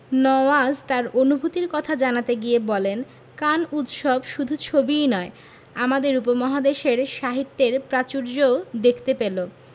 নওয়াজ তার অনুভূতির কথা জানাতে গিয়ে বলেন কান উৎসব শুধু ছবিই নয় আমাদের উপমহাদেশের সাহিত্যের প্রাচুর্যও দেখতে পেল